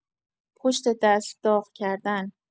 پشت دست داغ کردن